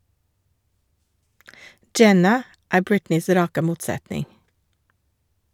- Jenna er Britneys rake motsetning.